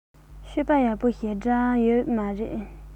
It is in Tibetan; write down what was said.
སྤྱོད པ ཡག པོ ཞེ དྲགས ཡོད མ རེད